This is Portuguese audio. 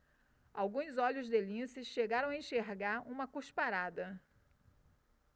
alguns olhos de lince chegaram a enxergar uma cusparada